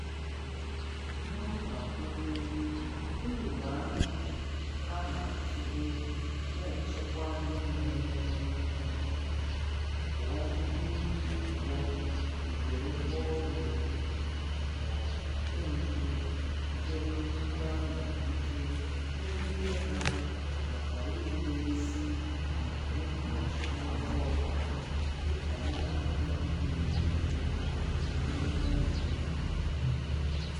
Na mgbakwụnye, bịịlụ ahụ a na-atụle na-echekwa ndị na-enye ọrụ ịntaneetị pụọ n'ịkwụ ụgwọ nke "ụgwọ ọrụ obodo ma ọ bụ nke mpụ" sitere na ikpe a na-ebute megide ha maka "irube isi n'iwu mgbochi nnweta ọ bụla", dị ka ngalaba nke 12, ọnụọgụgụ nke 5.